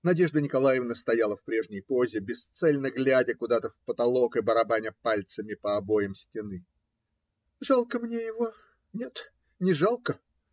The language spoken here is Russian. Надежда Николаевна стояла в прежней позе, бесцельно глядя куда-то в потолок и барабаня пальцами по обоям стены. "Жалко мне его? Нет, не жалко.